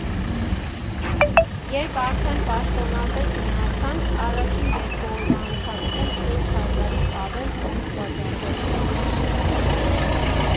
Երբ արդեն պաշտոնապես միացանք, առաջին երկու օրվա ընթացքում շուրջ հազարից ավել տոմս վաճառվեց։